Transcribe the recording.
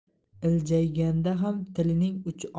iljayganda ham tilining uchi